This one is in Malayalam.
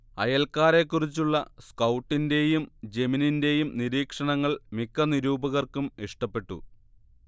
അയൽക്കാരെക്കുറിച്ചുള്ള സ്കൗട്ടിന്റെയും ജെമിനിന്റെയും നിരീക്ഷണങ്ങൾ മിക്ക നിരൂപകർക്കും ഇഷ്ടപ്പെട്ടു